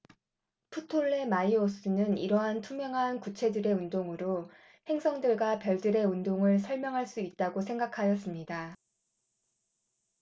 프톨레마이오스는 이러한 투명한 구체들의 운동으로 행성들과 별들의 운동을 설명할 수 있다고 생각하였습니다